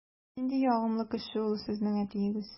Нинди ягымлы кеше ул сезнең әтиегез!